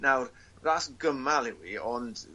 Nawr ras gymal yw 'i ond